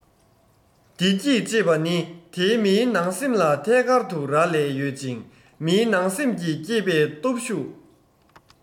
བདེ སྐྱིད ཅེས པ ནི དེ མིའི ནང སེམས ལ ཐད ཀར དུ རག ལས ཡོད ཅིང མིའི ནང སེམས ཀྱིས བསྐྱེད པའི སྟོབས ཤུགས